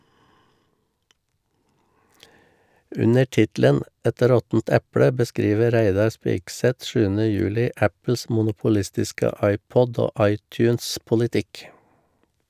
Under tittelen "Et råttent eple" beskriver Reidar Spigseth 7. juli Apples monopolistiske iPod- og iTunes-politikk.